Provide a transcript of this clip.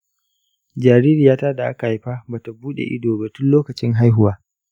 jaririyata da aka haifa ba ta buɗe ido ba tun lokacin haihuwa.